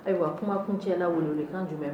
Ayiwa kuma kun cɛ la i kan jum jumɛn